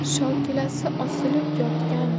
shokilasi osilib yotgan